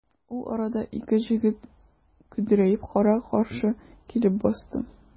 Ул арада ике җегет көдрәеп кара-каршы килеп басты.